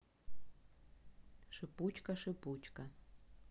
шипучка шипучка